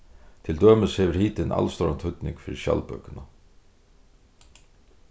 til dømis hevur hitin alstóran týdning fyri skjaldbøkuna